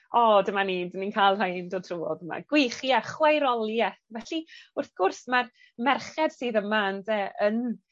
O dyma ni, ni'n cael rhain yn dod trwodd yma. Gwych, ie, chwaerolieth. Felly wrth gwrs ma'r merched sydd yma ynde yn